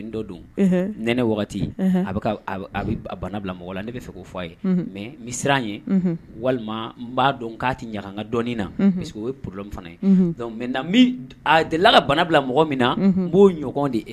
Nɛnɛ wagati a bɛ bana bila mɔgɔ la ne bɛ fɛ k'o fɔ a ye mais n bɛ siran a ɲɛ ye walima n b'a dɔn k'a tɛ ɲaga n ka dɔnni na parce que o ye problème fana ye donc maintenant a delila ka bana bila mɔgɔ min na n b'o ɲɔgɔn de